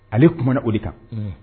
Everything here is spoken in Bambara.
Ale kuma na o de kan